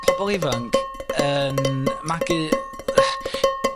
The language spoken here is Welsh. pobol ifanc yn magu